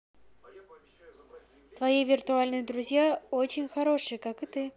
твои виртуальные друзья очень хорошие как и ты